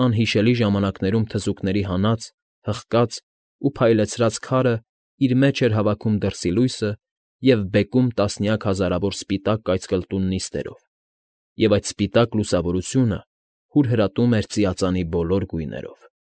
Անհիշելի ժամանակներում թզուկների հանած, հղկած ու փայլեցրած քարն իր մեջ էր հավաքում դրսի լույսը և բեկում տասնյակ հազարավոր սպիտակ կայծկլտուն նիստերով, և այդ սպիտակ լուսավորությունը հուրհրատում էր ծիածանի բոլոր գույներով։